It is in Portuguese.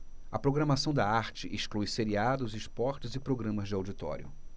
a programação da arte exclui seriados esportes e programas de auditório